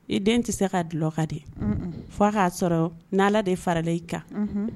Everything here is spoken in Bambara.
I den tɛ se ka dulɔ ka de fo k'a sɔrɔ n' ala de farala i kan